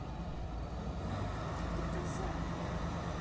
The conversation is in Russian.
ты коза